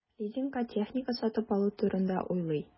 Лизингка техника сатып алу турында уйлый.